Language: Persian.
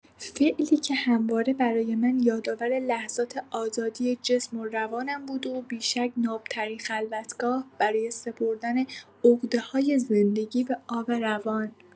فعلی که همواره برای من یادآور لحظات آزادی جسم و روانم بوده و بی‌شک ناب‌ترین خلوتگاه، برای سپردن عقده‌های زندگی به آب روان.